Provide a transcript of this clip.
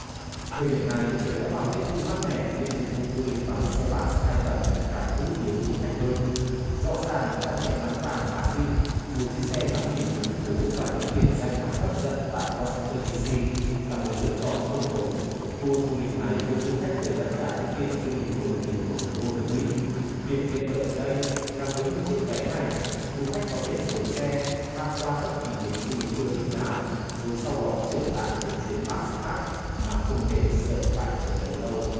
thời điểm này trời đã vào tiết thu mát mẻ nên dịch vụ du lịch bằng xe bát hai tầng lại càng thu hút nhiều du khách hơn rõ ràng trong cái nắng vàng mát dịu ngồi trên xe ngắm nhìn đường phố và những điểm danh thắng hấp dẫn tại goa sinh tơn đi si là một lựa chọn không tồi tua du lịch này đưa du khách tới tất cả những điểm du lịch nổi tiếng của thủ đô nước mỹ điểm tiện lợi ở đây là với một chiếc vé ngày du khách có thể rời xe tham quan bất kỳ điểm du lịch ưa thích nào rồi sau đó trở lại với chuyến bát khác mà không hề sợ phải chờ đợi lâu